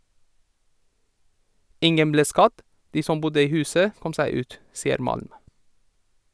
- Ingen ble skadd, de som bodde i huset kom seg ut , sier Malm.